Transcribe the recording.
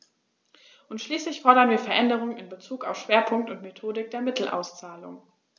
Und schließlich fordern wir Veränderungen in bezug auf Schwerpunkt und Methodik der Mittelauszahlung.